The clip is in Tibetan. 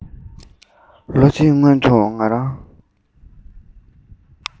ལོ གཅིག གི སྔོན དུ ང རང